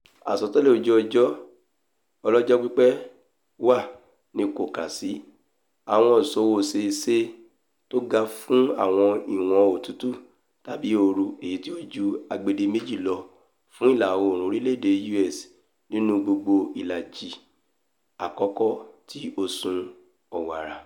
Àsọtẹ́lẹ̀ ojú-ọjọ́ ọlọ́jọ́pípẹ́ wa ńtọ́kasí àwọ̀n ìṣọwọ́ṣeéṣe tóga fún àwọ̀n ìwọ̀n otútù tàbí ooru èyití ó ju agbedeméjì lọ fún ìlà-oòrùn orílẹ̀-èdè U.S. nínú gbogbo ìlàjí àkọ́kọ́ ti oṣù Ọ̀wàrà.